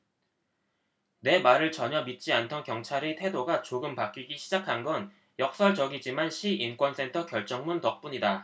내 말을 전혀 믿지 않던 경찰의 태도가 조금 바뀌기 시작한 건 역설적이지만 시 인권센터 결정문 덕분이다